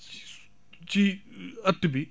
ci ëtt bi